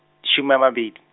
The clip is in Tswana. some a mabedi.